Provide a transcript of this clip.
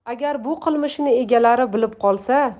agar bu qilmishini egalari bilib qolsa